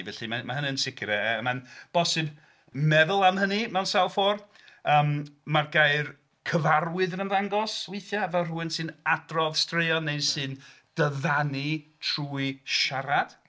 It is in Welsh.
Felly mae... mae hynny'n sicr a... a... mae'n bosib meddwl am hynny, mewn sawl ffordd yym mae'r gair 'cyfarwydd' yn ymddangos, weithiau fel rhywyn sy'n adrodd straeon, neu sy'n diddanu trwy siarad.